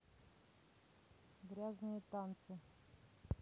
грязные танцы